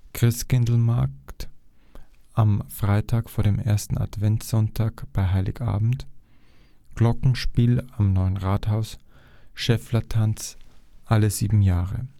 Christkindlmarkt vom Freitag vor dem 1. Adventssonntag bis Heiligabend Glockenspiel am Neuen Rathaus Schäfflertanz, alle sieben Jahre